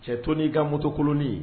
Cɛton i ka motokoloni